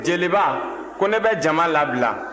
jeliba ko ne bɛ jama labila